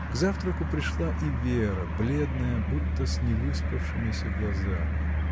К завтраку пришла и Вера, бледная, будто с невыспавшимися глазами.